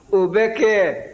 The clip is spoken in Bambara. o bɛ kɛ